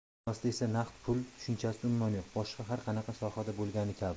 o'zbek kinosida esa naqd pul tushunchasi umuman yo'q boshqa har qanaqa sohada bo'lgani kabi